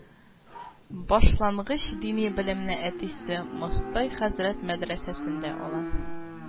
Башлангыч дини белемне әтисе Мостай хәзрәт мәдрәсәсендә ала